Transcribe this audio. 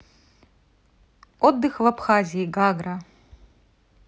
отдых в абхазии гагра